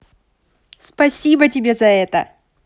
спасибо тебе за это